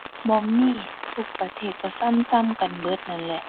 บ่มี ทุกประเทศก็ส่ำส่ำกันเบิดนั่นแหละ